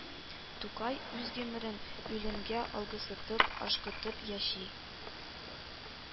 Тукай үз гомерен үлемгә алгысытып ашкытып яши